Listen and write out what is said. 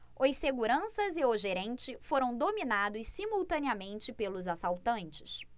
os seguranças e o gerente foram dominados simultaneamente pelos assaltantes